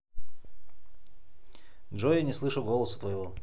джой я не слышу голоса твоего